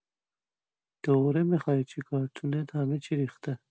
دوره میخای چیکار تو نت همه چی ریخته